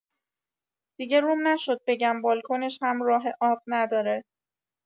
دیگه روم نشد بگم بالکنش هم راه‌آب نداره